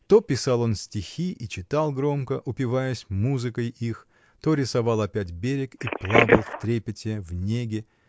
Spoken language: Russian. То писал он стихи и читал громко, упиваясь музыкой их, то рисовал опять берег и плавал в трепете, в неге